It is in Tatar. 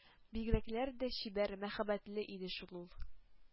Бигрәкләр дә чибәр, мәхәббәтле иде шул ул!